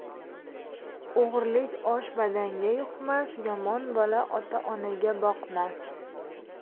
o'g'irlik osh badanga yuqmas yomon bola ota onaga boqmas